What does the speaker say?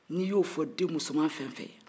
n'i y'o fɔ den musoman fɛn wo fɛn ye